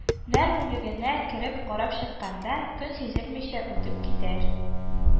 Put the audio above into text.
Нәр бүлегенә кереп карап чыкканда, көн сизелмичә үтеп тә китәр